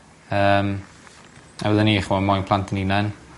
yym a fyddwn ni ch'mo' moyn plant 'yn unain.